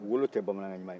wolo tɛ bamanankan ɲuman ye